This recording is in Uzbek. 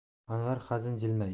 anvar hazin jilmaydi